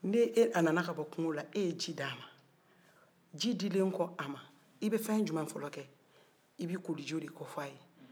ne e a nana ka bɔ kungo la e ye ji d'a ma ji dilen kɔ a ma e bɛ fɛn jumɛn fɔlɔ kɛ i bɛ koliji o de kof'a ye